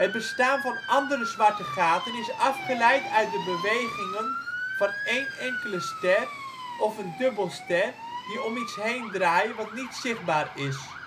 bestaan van andere zwarte gaten is afgeleid uit de bewegingen van één enkele ster of een dubbelster die om iets heen draaien wat niet zichtbaar is